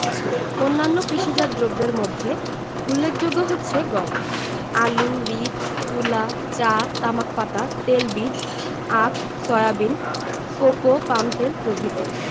অন্যান্য কৃষিজাত দ্রব্যের মধ্যে উল্লেখযোগ্য হচ্ছে গম আলু রীট তুলা চা তামাক পাতা তেলবীজ আখ সয়াবিন কোকো পামতেল প্রভৃতি